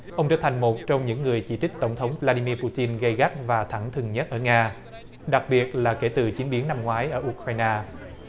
ông trở thành một trong những người chỉ trích tổng thống vờ la đi mia pu tin gay gắt và thẳng thừng nhất ở nga đặc biệt là kể từ chính biến năm ngoái ở u cờ rai na